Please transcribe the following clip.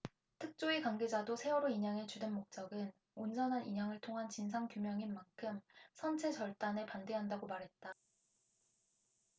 특조위 관계자도 세월호 인양의 주된 목적은 온전한 인양을 통한 진상규명인 만큼 선체 절단에 반대한다고 말했다